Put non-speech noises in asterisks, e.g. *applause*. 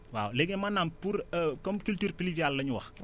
waaw léegi maanaam pour *hesitation* comme culture pluviale la ñu wax